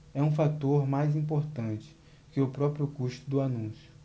é um fator mais importante que o próprio custo do anúncio